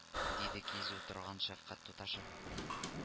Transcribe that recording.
— диде кизү торган шәфкать туташы